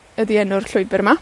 ydi enw'r llwybyr yma.